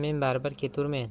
men baribir keturmen